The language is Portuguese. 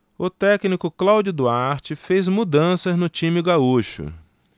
o técnico cláudio duarte fez mudanças no time gaúcho